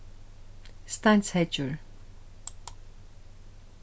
steinsheyggjur